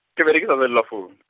ke berekisa cellular founu.